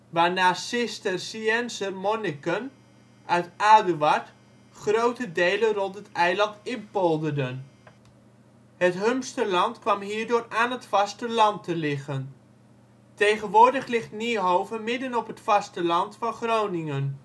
waarna Cisterziënzer monniken uit Aduard grote delen rond het eiland inpolderden. Het Humsterland kwam hierdoor aan het vasteland te liggen. Tegenwoordig ligt Niehove midden op het vasteland van Groningen